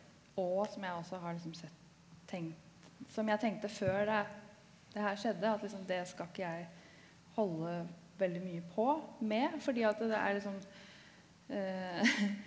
og som jeg også har liksom sett tenkt som jeg tenkte før det det her skjedde at liksom det skal ikke jeg holde veldig mye på med fordi at det er liksom .